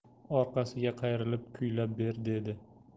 orqasiga qayrilib kuylay ber dedi